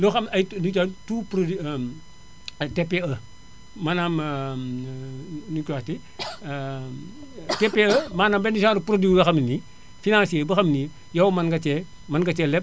yoo xam ne ay du jar tout produits ay TPE maanaam nu énu koy waxati TPE maanaam benn genre produit yoo xam ne nii financier boo xam ne nii yow mën nga cee mën nga cee leb